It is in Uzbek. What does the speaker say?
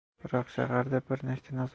biroq shaharda bir nechta